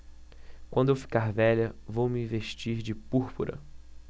quando eu ficar velha vou me vestir de púrpura